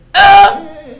Ee